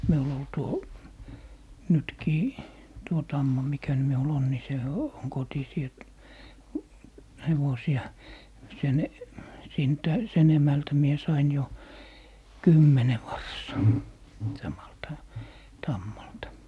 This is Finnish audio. minulla oli tuo nytkin tuo tamma mikä nyt minulla on niin se on kotisia että hevosia sen siitä sen emältä minä sain jo kymmenen varsaa samalta tammalta